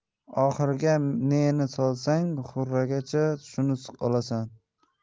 oxurga neni solsang xurmachadan shuni olasan